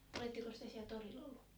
olettekos te siellä torilla ollut